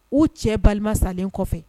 U cɛ balima salen kɔfɛ